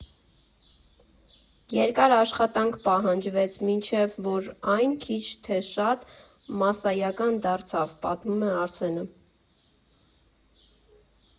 Երկար աշխատանք պահանջվեց, մինչև որ այն քիչ թե շատ մասսայական դարձավ, ֊ պատմում է Արսենը։